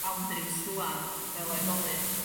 boundaries rŵan fel oedolyn